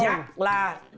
giặc là